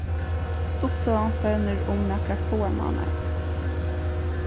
stuttsøgan fevnir um nakrar fáar mánaðir